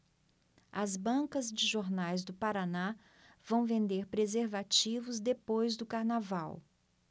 as bancas de jornais do paraná vão vender preservativos depois do carnaval